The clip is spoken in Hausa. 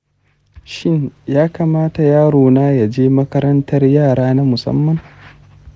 shin ya kamata yarona ya je makarantar yara na musamman